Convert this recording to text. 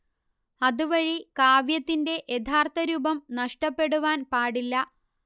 അതുവഴി കാവ്യത്തിന്റെ യഥാർഥ രൂപം നഷ്ടപ്പെടുവാൻ പാടില്ല